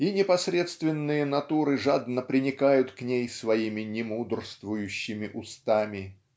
И непосредственные натуры жадно приникают к ней своими немудрствующими устами.